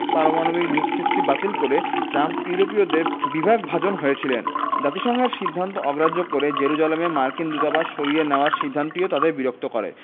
পারমাণবিক যুগচুক্তি বাতিল করে ট্রাম্প ইউরোপীয়দের বিভাগভাজন হয়েছিলেন জাতিসংঘের সিদ্ধান্ত অগ্রাহ্য করে জেরুজালেমে মার্কিন দূতাবাস সরিয়ে নেওয়ার সিদ্ধান্তটিও তাদের বিরক্ত করে